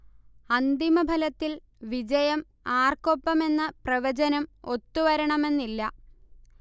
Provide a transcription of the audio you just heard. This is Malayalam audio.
അന്തിമഫലത്തിൽ വിജയം ആർക്കൊപ്പം എന്ന പ്രവചനം ഒത്തുവരണമെന്നില്ല